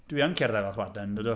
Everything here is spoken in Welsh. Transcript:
Dwi yn cerdded fel chwaden yn dydw?